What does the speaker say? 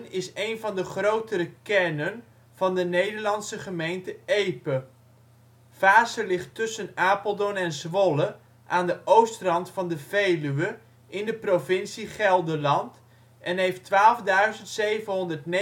is een van de grotere kernen van de Nederlandse gemeente Epe. Vaassen ligt tussen Apeldoorn en Zwolle aan de oostrand van de Veluwe in de provincie Gelderland en heeft 12.719 inwoners (01-01-2008